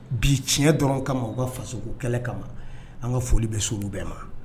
Bi tiɲɛ dɔrɔn kama u ka fasoko kɛlɛ kama an ka foli bi su bɛɛ ma.